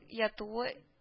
Ятуы